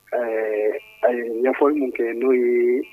Ɛɛ a ɲɛfɔ min kɛ n'o ye